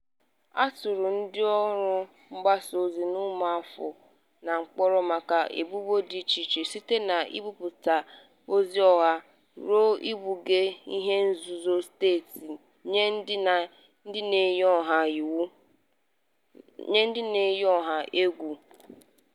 A tụrụ ndịọrụ mgbasaozi na ụmụafọ na mkpọrọ maka ebubo dị icheiche site na mbipụta "ozi ụgha" ruo ikpughe ihenzuzo steeti nye ndị na-eyi ọha egwu.